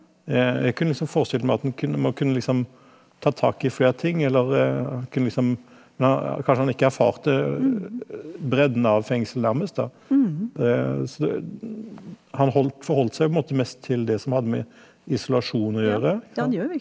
jeg kunne liksom forestilt meg at den kunne man kunne liksom ta tak i flere ting eller kunne liksom men han kanskje han ikke erfarte bredden av fengsel nærmest da, så det han holdt forholdt seg jo på en måte mest til det som hadde med isolasjon å gjøre sant.